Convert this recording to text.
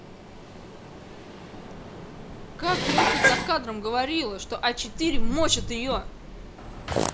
как леха за кадром говорила что а четыре мочит ее